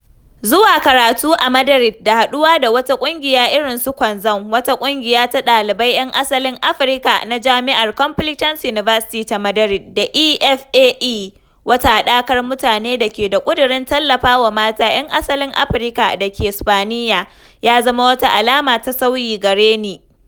Zuwa karatu a Madrid da haɗuwa da ƙungiyoyi irin su Kwanzza [wata ƙungiya ta ɗalibai 'yan asalin Afrika na jami'ar Complitense University ta Madari] da E.F.A.E [wata haɗakar mutane da ke da ƙidurin tallafawa mata 'yan asalin Afrika dake Sipaniya] ya zama wata alama ta sauyi gare ni.